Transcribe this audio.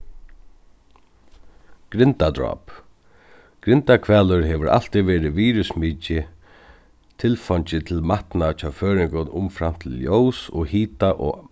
grindadráp grindahvalur hevur altíð verið virðismikið tilfeingi til matna hjá føroyingum umframt ljós og hita og